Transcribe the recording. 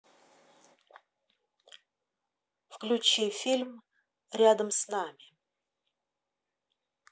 включи фильм рядом с нами